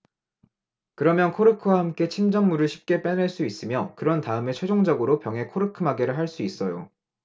그러면 코르크와 함께 침전물을 쉽게 빼낼 수 있으며 그런 다음에 최종적으로 병에 코르크 마개를 할 수 있어요